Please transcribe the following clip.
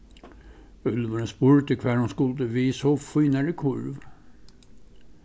úlvurin spurdi hvar hon skuldi við so fínari kurv